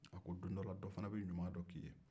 dondɔ la dɔ fana bɛ ɲuman dɔ k'i ye